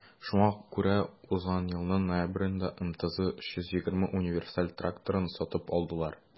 Шуңа күрә узган елның ноябрендә МТЗ 320 универсаль тракторын сатып алдылар.